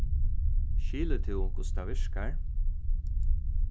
skilur tú hvussu tað virkar